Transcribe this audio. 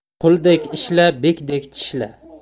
quldek ishla bekdek tishla